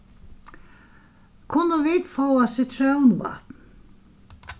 kunnu vit fáa sitrónvatn